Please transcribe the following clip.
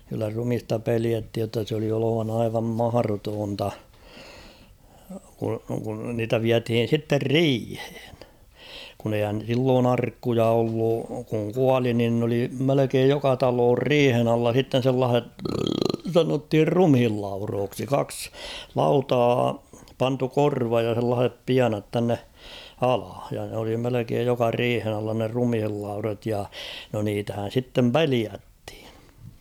kyllä ruumista pelättiin jotta se oli olevana aivan mahdotonta kun kun niitä vietiin sitten riiheen kun eihän silloin arkkuja ollut kun kuoli niin ne oli melkein joka talon riihen alla sitten sellaiset sanottiin ruumiinlaudoiksi kaksi lautaa pantu korvan ja sellaisen pienat tänne alle ja ne oli melkein joka riihen alla ne ruumiinlaudat ja no niitähän sitten pelättiin